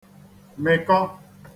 mịkọ